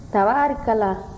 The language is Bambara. tabaarikala